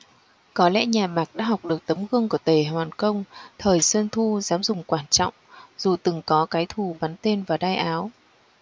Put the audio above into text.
có lẽ nhà mạc đã học được tấm gương của tề hoàn công thời xuân thu dám dùng quản trọng dù từng có cái thù bắn tên vào đai áo